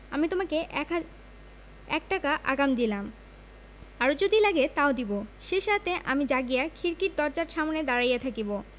আমি তোমাকে একা এক টাকা আগাম দিলাম আরও যদি লাগে তাও দিব শেষ রাতে আমি জাগিয়া খিড়কির দরজার সামনে দাঁড়াইয়া থাকিব